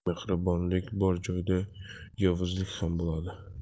mehribonlik bor joyda yovuzlik ham bo'ladi